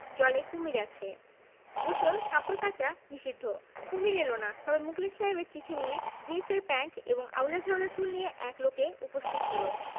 জলে কুমীর আছে গোসল কাপড় কাচা নিষিদ্ধ কুমীর এল না তবে মুখলেস সাহেবের চিঠি নিয়ে জীনসের প্যান্ট এবং আউলা ঝাউলা চুল নিয়ে এক লোকে উপস্থিত হল